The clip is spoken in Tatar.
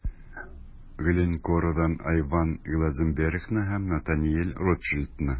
Glencore'дан Айван Глазенбергны һәм Натаниэль Ротшильдны.